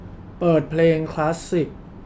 เปิดเพลงคลาสสิค